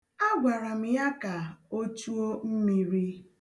A gwara m ya ka o chuo mmiri.